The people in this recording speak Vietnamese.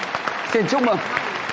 xin chúc mừng